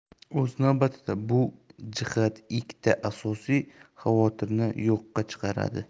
o'z navbatida bu jihat ikkita asosiy xavotirni yo'qqa chiqaradi